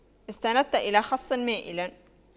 استندت إلى خصٍ مائلٍ